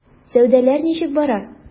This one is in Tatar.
Сәүдәләр ничек бара?